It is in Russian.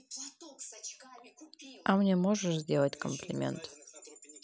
а мне можешь сделать комплимент